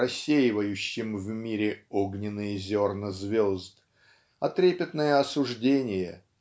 рассеивающем в мире "огненные зерна" звезд а трепетное осуждение